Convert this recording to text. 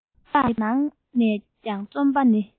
དེ དག གི ནང ནས ཀྱང རྩོམ པ ནི